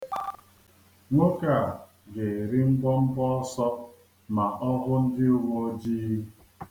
Nwoke a ga-eri mbọmbọ ọsọ ma ọ hụ ndị uwe ojii.